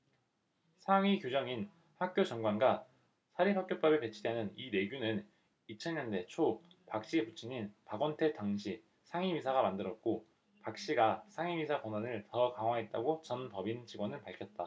상위 규정인 학교 정관과 사립학교법에 배치되는 이 내규는 이천 년대 초 박씨 부친인 박원택 당시 상임이사가 만들었고 박씨가 상임이사 권한을 더 강화했다고 전 법인 직원은 밝혔다